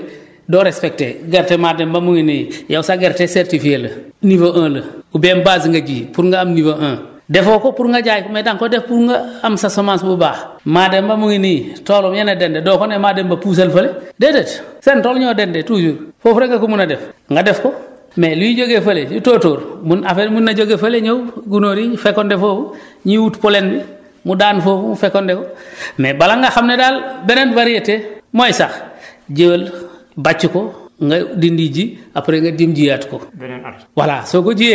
parce que fi nga koy ji sa gerte bi doo respecté gerte Mademba mu ngi nii yow sa gerte certifié la niveau 1 la oubien base nga ji pour nga am niveau 1 defoo ko pour nga jaay ko mais da nga ko def pour nga am sa semence bu baax Mademba mu ngi nii toolam yéen a dende doo ko ne Mademba puusal fële déedéet seen tool ñoo dende toujours foofu rek nga ko mën a def nga def ko mais luy jógee fële di tóotóor mën affaire bi mën na jógee fële ñëw gunóor yi fécondé foofu ñuy wut pollen bi mu daanu foofu mu fécondé mais bala nga xam ne daal beneen variété mooy sax jiwal bàcc ko nga dindi ji après nga dem jiyaat ko